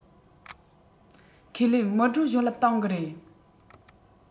ཁས ལེན མི བགྲོད གཞུང ལམ སྟེང གི རེད